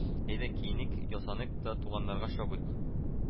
Әйдә киеник-ясаныйк та туганнарга чабыйк